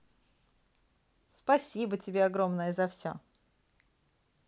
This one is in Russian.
спасибо тебе огромное за все